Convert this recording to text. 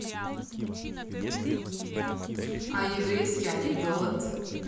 а еврейский анекдот